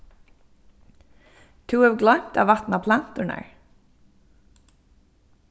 tú hevur gloymt at vatna planturnar